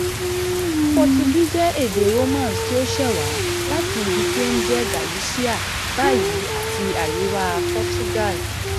Portuguese jẹ́ èdè Romance tí ó ṣẹ̀wá láti ibi tí ó ń jẹ́ Galicia báyìí àti àríwá Portugal.